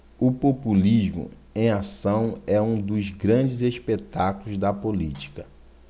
o populismo em ação é um dos grandes espetáculos da política